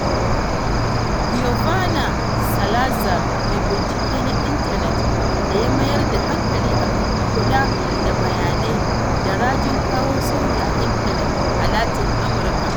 Giovanna Salazar mai bincike ne na intanet da ya mayar da hankali a kan kula da bayanai da rajin kawo sauyi ta intanet a Latin Amurka.